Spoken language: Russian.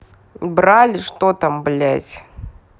брали что там блядь